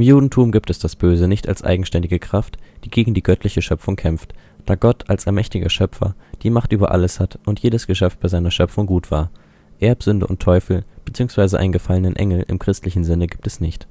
Judentum gibt es „ das Böse “nicht als eigenständige Kraft, die gegen die göttliche Schöpfung kämpft, da Gott als allmächtiger Schöpfer die Macht über alles hat und jedes Geschöpf bei seiner Schöpfung gut war. Erbsünde und Teufel, bzw. einen gefallenen Engel im christlichen Sinne gibt es nicht.